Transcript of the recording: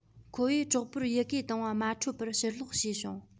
ཁོ བོས གྲོགས པོར ཡི གེ བཏང བ མ འཕྲོད པར ཕྱིར སློག བྱས བྱུང